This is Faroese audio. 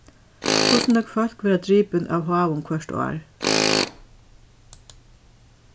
hvussu nógv fólk verða dripin av hávum hvørt ár